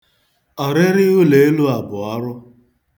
Ọrịrị ụlọelu a bụ ọrụ.